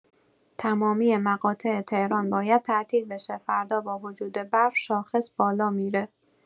تمامی مقاطع تهران باید تعطیل بشه فردا با وجود برف شاخص بالا می‌ره